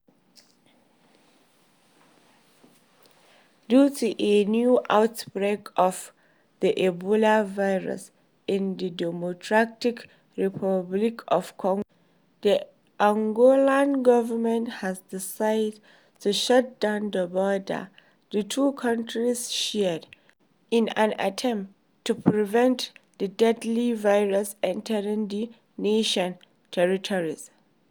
Due to a new outbreak of the ebola virus in the Democratic Republic of Congo, the Angolan government has decided to shut down the border the two countries share, in an attempt to prevent the deadly virus entering the nation's territory.